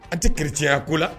An tɛ chrétien yako la